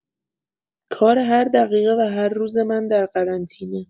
کار هر دقیقه و هر روز من در قرنطینه